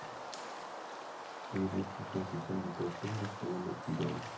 Եվ էդ ճշմարտության գիտակցումն ինձ տվել է Ծիրանը։